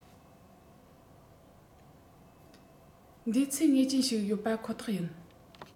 འདུས ཚད ངེས ཅན ཞིག ཡོད པ ཁོ ཐག ཡིན